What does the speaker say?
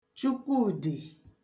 chukwudị̀